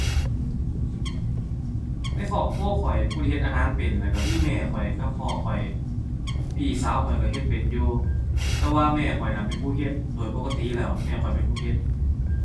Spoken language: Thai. ในครอบครัวข้อยผู้ที่เฮ็ดอาหารเป็นนั้นก็มีแม่ข้อยกับพ่อข้อย พี่สาวข้อยก็เฮ็ดเป็นอยู่ แต่ว่าแม่ข้อยน่ะเป็นผู้เฮ็ดโดยปกติแล้ว แม่ข้อยเป็นผู้เฮ็ด